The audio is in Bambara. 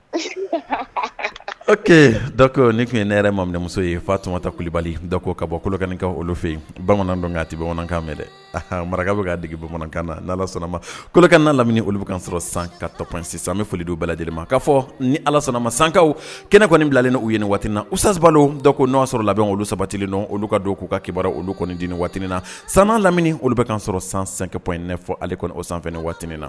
Oke da ni tun ye ne yɛrɛ ma minɛmuso ye fa tunma ta kulibali da ka bɔ kolokankan olu fɛ bamanan tɛ bamanankan mɛn dɛ aɔn maraka bɛ ka degeigi bamanankan ni sɔnnama kolokan lamini olu bɛ ka sɔrɔ san ka tap sisan bɛ folidenw bɛɛ lajɛlen ma k'a fɔ ni ala sɔnnama sanka kɛnɛ kɔni bilalen uu ye ni waatiina usaba da ko n sɔrɔ labɛn olu sabatilen nɔn olu ka don k'u ka kibara olu kɔni di ni waati na san lamini olu bɛ ka sɔrɔ san sankɛp in ɲɛfɔ alek o sanfɛ waati na